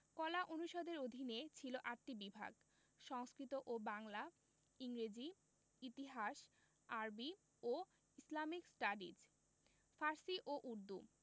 কলা অনুষদের অধীনে ছিল ৮টি বিভাগ সংস্কৃত ও বাংলা ইংরেজি ইতিহাস আরবি ও ইসলামিক স্টাডিজ ফার্সি ও উর্দু